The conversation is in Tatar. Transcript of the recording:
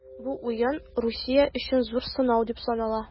Бу уен Русия өчен зур сынау дип санала.